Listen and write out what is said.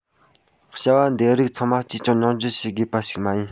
བྱ བ འདིའི རིགས ཚང མ ཅིས ཀྱང མྱོང བརྒྱུད བྱེད དགོས པ ཞིག མ ཡིན